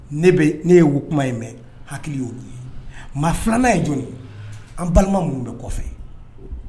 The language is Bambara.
Ne ye wo kuma in mɛn hakili y' ye maa filanan ye jɔn an balima minnu bɛ kɔfɛ